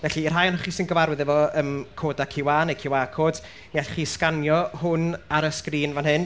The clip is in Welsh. Felly, i'r rhai ohonoch chi sy'n gyfarwydd efo yym codau QR neu QR codes, mi allwch chi sganio hwn ar y sgrîn fan hyn,